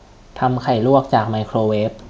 ทำไข่ลวกจากไมโครเวฟ